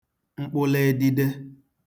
mkpụlụ edide